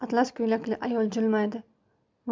atlas ko'ylakli ayol jilmaydi